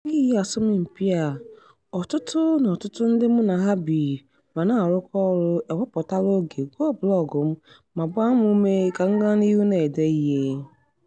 N'ihi asọmpi a, ọtụtụ na ọtụtụ ndị mụ na ha bi ma na-arụkọ ọrụ ewepụtala oge gụọ blọọgụ m ma gbaa mụ ume ka m gaa n'ihu na-ede ihe.